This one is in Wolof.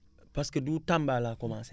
parce que du Tamba laa commencé